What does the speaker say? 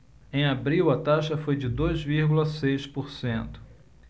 em abril a taxa foi de dois vírgula seis por cento